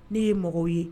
Ne ye mɔgɔw ye